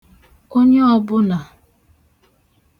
onye ọbụnà